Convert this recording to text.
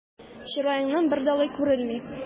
Чыраеңнан бер дә алай күренми!